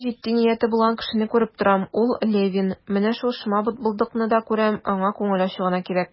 Мин җитди нияте булган кешене күреп торам, ул Левин; менә шул шома бытбылдыкны да күрәм, аңа күңел ачу гына кирәк.